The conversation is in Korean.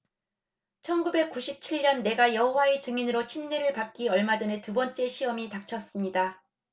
천 구백 구십 칠 년 내가 여호와의 증인으로 침례를 받기 얼마 전에 두 번째 시험이 닥쳤습니다